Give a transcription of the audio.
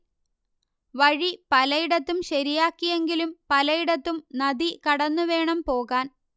വഴി പലയിടത്തും ശരിയാക്കിയെങ്കിലും പലയിടത്തും നദി കടന്നുവേണം പോകാൻ